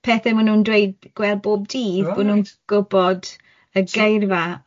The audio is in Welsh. pethe maen nhw'n dweud- gweld bob dydd... Right... bo' nhw'n gwbod y geirfa am